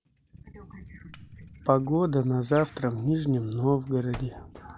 погода на завтра в нижнем новгороде